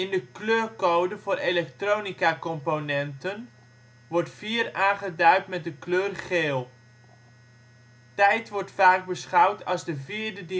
de kleurcode voor elektronicacomponenten wordt 4 aangeduid met de kleur geel. Tijd wordt vaak beschouwd als de vierde